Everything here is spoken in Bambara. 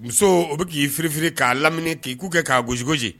Muso u bɛ k'i ffi k'a lamini k'i k'u kɛ k'a gosigosi